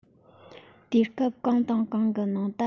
དུས སྐབས གང དང གང གི ནང དུ